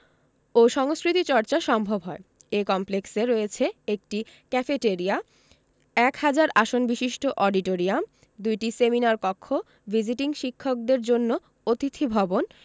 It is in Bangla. ও সংস্কৃতি চর্চা সম্ভব হয় এ কমপ্লেক্সে রয়েছে একটি ক্যাফেটরিয়া এক হাজার আসনবিশিষ্ট অডিটোরিয়াম ২টি সেমিনার কক্ষ ভিজিটিং শিক্ষকদের জন্য অতিথি ভবন